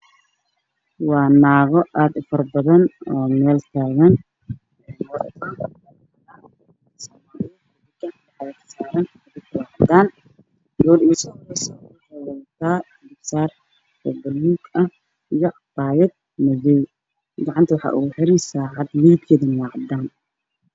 Waa naago aad u fara badan oo meel taagan waxa ay wataan dhar cadaan ah gacanta waxaa ugu xiran saacad madow ah